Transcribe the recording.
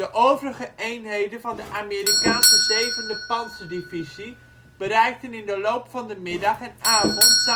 overige eenheden van de Amerikaanse 7e pantserdivisie bereikten in de loop van de middag en avond